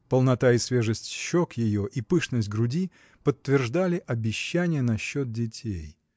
Полнота и свежесть щек ее и пышность груди подтверждали обещание насчет детей.